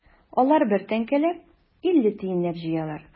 Алар бер тәңкәләп, илле тиенләп җыялар.